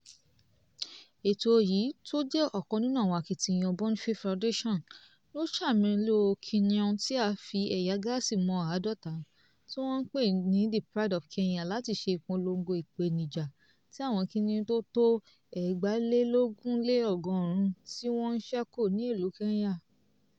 Ètò yìí tó jẹ́ ọ̀kàn nínú àwọn akitiyan Born Free Foundation yóò ṣàmúlò kìnìun tí a fi ẹ̀yà gílààsì mọ 50, tí wọ́n ń pè ní the Pride of Kenya‘ láti ṣe ìpolongo ìpènijà tí àwọn kìnìún tó tó 2,100 tí wọ́n ṣẹ́kù ní ìlú Kenya.